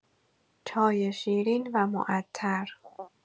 چای شیرین و معطر